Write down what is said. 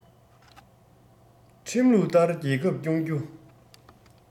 ཁྲིམས ལུགས ལྟར རྒྱལ ཁབ སྐྱོང རྒྱུ